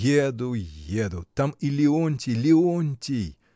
— Еду, еду, там и Леонтий, Леонтий!